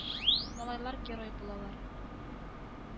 Малайлар герой булалар